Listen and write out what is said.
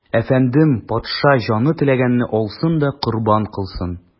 Әфәндем, патша, җаны теләгәнне алсын да корбан кылсын.